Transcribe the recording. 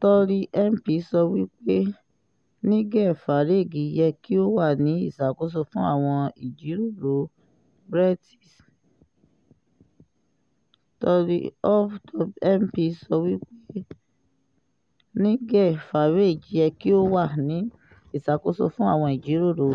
Tory MP sọ wí pé NIGEL FARAGE yẹ ki o wa ni iṣakoso fun awọn ijiroro